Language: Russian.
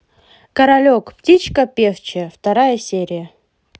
королек птичка певчая вторая серия